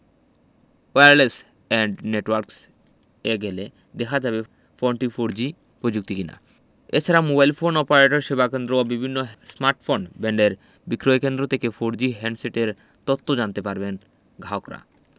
wireless and networks এ গেলে দেখা যাবে ফোনটি ফোরজি পযুক্তির কিনা এ ছাড়াও মোবাইল ফোন অপারেটরের সেবাকেন্দ্র ও বিভিন্ন স্মার্টফোন ব্যান্ডের বিক্রয়কেন্দ্র থেকেও ফোরজি হ্যান্ডসেটের তথ্য জানতে পারবেন গাহকরা